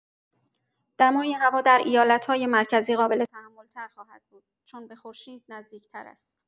دمای هوا در ایالت‌های مرکزی قابل تحمل‌تر خواهد بود؛ چون به خورشید نزدیک‌تر است.